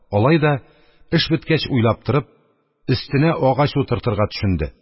Алай да, эш беткәч уйлап торып, өстенә агач утыртырга төшенде.